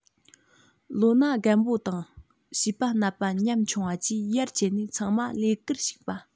ལོ ན རྒན པོ དང བྱིས པ ནད པ ཉམ ཆུང བ བཅས ཡར བཅད ནས ཚང མ ལས ཀར ཞུགས པ